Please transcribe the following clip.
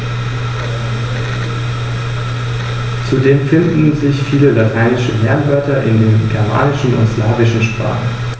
Dies betrifft in gleicher Weise den Rhöner Weideochsen, der auch als Rhöner Biosphärenrind bezeichnet wird.